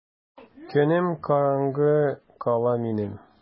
Көнем караңгы кала минем!